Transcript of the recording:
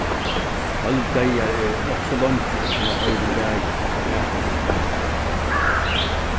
tólv dagar er nokk so leingi uttan at hoyra um dagin hjá rakul